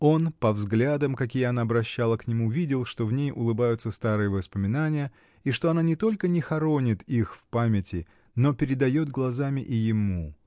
Он, по взглядам, какие она обращала к нему, видел, что в ней улыбаются старые воспоминания и что она не только не хоронит их в памяти, но передает глазами и ему.